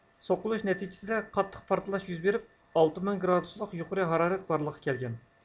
سوقۇلۇش نەتىجىسىدە قاتتىق پارتلاش يۈز بېرىپ ئالتە مىڭ گرادۇسلۇق يۇقىرى ھارارەت بارلىققا كەلگەن